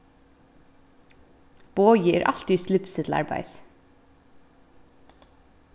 bogi er altíð í slipsi til arbeiðis